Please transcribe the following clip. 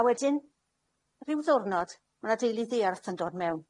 A wedyn ryw ddwrnod ma' 'na deulu ddiarth yn dod mewn.